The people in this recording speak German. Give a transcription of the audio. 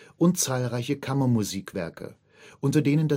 und zahlreiche Kammermusikwerke, unter denen